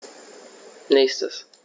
Nächstes.